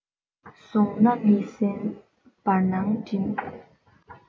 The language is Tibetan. བཟུང ན མི ཟིན བར སྣང འགྲིམ